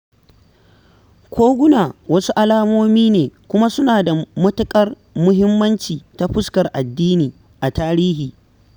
Koguna wasu alamomi ne kuma suna da mutuƙar muhimmanci ta fuskar addini a tarihi.